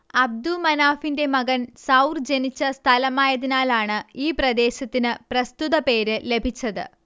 അബ്ദുമനാഫിന്റെ മകൻ സൗർ ജനിച്ച സ്ഥലമായതിനാലാണ് ഈ പ്രദേശത്തിന് പ്രസ്തുത പേര് ലഭിച്ചത്